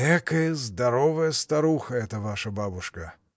— Экая здоровая старуха, эта ваша бабушка!